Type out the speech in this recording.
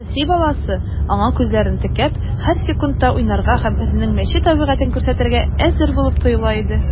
Песи баласы, аңа күзләрен текәп, һәр секундта уйнарга һәм үзенең мәче табигатен күрсәтергә әзер булып тоела иде.